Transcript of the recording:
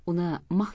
uni mahkam